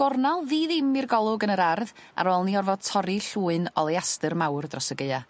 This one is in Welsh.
gornal ddi ddim i'r golwg yn yr ardd ar ôl ni orfod torri llwyn oleaster mawr dros y Gaea.